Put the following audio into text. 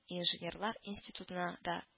Инженерлар институтына да